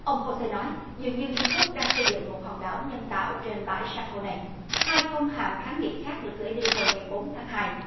ông hô xê nói dường như trung quốc đang xây dựng một hòn đảo nhân tạo trên bãi san hô này hai công hàm kháng nghị khác được gửi đi vào ngày bốn tháng hai